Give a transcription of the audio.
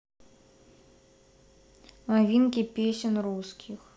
новинки песен русских